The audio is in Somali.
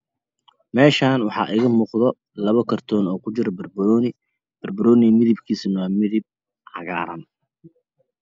Meshan waxa iga muqdo labo korton uu kujiro barbanoni barbanoniga midabkisu yahay midab cagaran